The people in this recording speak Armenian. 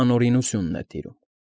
Անօրենությունն է տիրում։